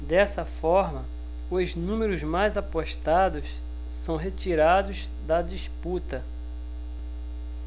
dessa forma os números mais apostados são retirados da disputa